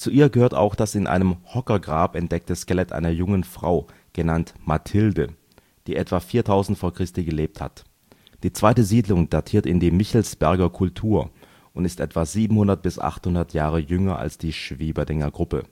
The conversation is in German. ihr gehört auch das in einem Hockergrab entdeckte Skelett einer jungen Frau, genannt Mathilde, die etwa 4000 v. Chr. gelebt hat. Die zweite Siedlung datiert in die Michelsberger Kultur und ist etwa 700 bis 800 Jahre jünger als die Schwieberdinger Gruppe